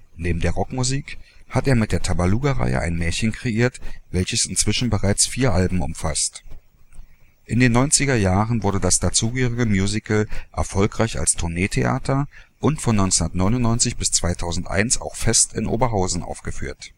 Neben der Rockmusik hat er mit der Tabaluga-Reihe ein Märchen kreiert, welches inzwischen bereits vier Alben umfasst. In den 1990er Jahren wurde das dazugehörige Musical erfolgreich als Tourneetheater und von 1999 bis 2001 auch fest in Oberhausen aufgeführt